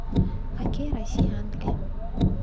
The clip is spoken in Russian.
хоккей россия англия